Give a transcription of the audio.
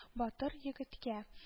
Батыр егеткә